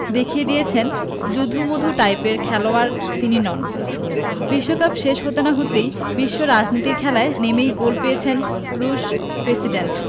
দেখিয়ে দিয়েছেন যদু মধু টাইপের খেলোয়াড় তিনি নন বিশ্বকাপ শেষে হতে না হতেই বিশ্ব রাজনীতির খেলায় নেমেই গোল পেয়েছেন রুশ প্রেসিডেন্ট